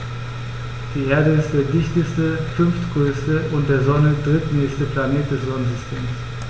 Die Erde ist der dichteste, fünftgrößte und der Sonne drittnächste Planet des Sonnensystems.